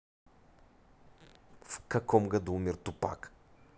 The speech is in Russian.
в каком году умер тупак